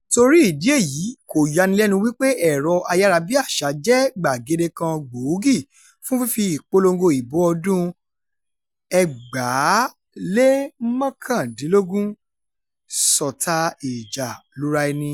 Torí ìdí èyí, kò yanilẹ́nu wípé ẹ̀rọ ayárabíàṣá jẹ́ gbàgede kan gbòógì fún fífi ìpolongo ìbò ọdún-un 2019 sọta ìjà lura ẹni.